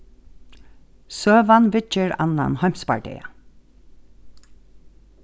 søgan viðger annan heimsbardaga